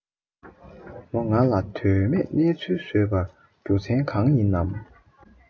མོ ང ལ དོན མེད གནས ཚུལ ཟོས པར རྒྱུ མཚན གང ཡིན ནམ